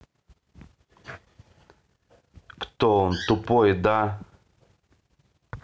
кто он тупой да